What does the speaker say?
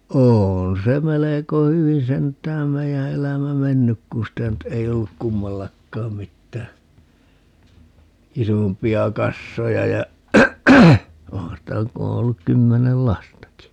on se melko hyvin sentään meidän elämä mennyt kun sitä nyt ei ollut kummallakaan mitään isompia kassoja ja onhan sitä kun on ollut kymmenen lastakin